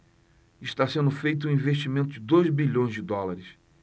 está sendo feito um investimento de dois bilhões de dólares